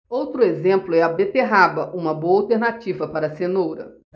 outro exemplo é a beterraba uma boa alternativa para a cenoura